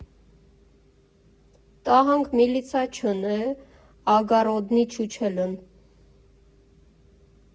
֊Տահանք միլիցա չըն էէէ, ագառոդնի չուչելըն։